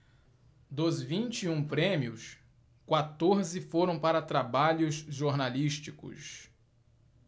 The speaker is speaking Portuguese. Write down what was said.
dos vinte e um prêmios quatorze foram para trabalhos jornalísticos